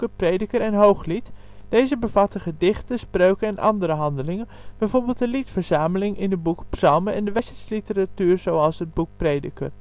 Prediker en Hooglied. Deze bevatten gedichten, spreuken en andere handelingen, bijvoorbeeld, een liedverzameling in het boek Psalmen en wijsheidsliteratuur zoals het boek Prediker